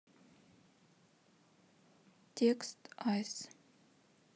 текст айс